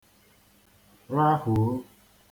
rahùo